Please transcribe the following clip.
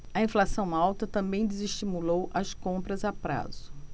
a inflação alta também desestimulou as compras a prazo